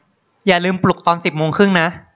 อย่าลืมปลุกตอนสิบโมงครึ่งนะ